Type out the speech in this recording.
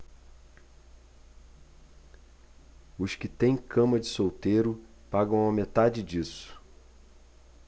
os que têm cama de solteiro pagam a metade disso